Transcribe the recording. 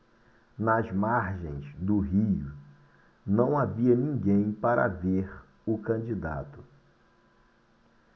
nas margens do rio não havia ninguém para ver o candidato